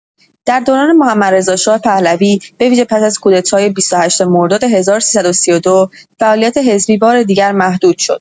در دوران محمدرضاشاه پهلوی، به‌ویژه پس از کودتای ۲۸ مرداد ۱۳۳۲، فعالیت حزبی بار دیگر محدود شد.